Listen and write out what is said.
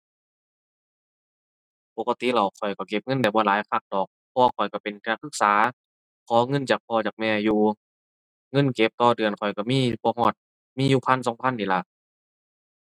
ปกติแล้วข้อยก็เก็บเงินได้บ่หลายคักดอก เพราะว่าข้อยก็เป็นนักศึกษา ขอเงินจากพ่อจากแม่อยู่ เงินเก็บต่อเดือนข้อยก็มีบ่ฮอด มีอยู่พันสองพันนี่ล่ะ